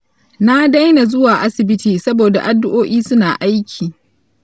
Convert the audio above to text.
na daina zuwa asibiti saboda addu'o'i suna aiki.